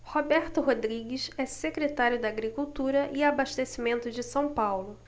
roberto rodrigues é secretário da agricultura e abastecimento de são paulo